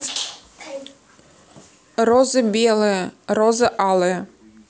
роза белая роза алая